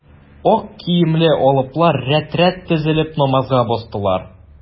Ак киемле алыплар рәт-рәт тезелеп, намазга бастылар.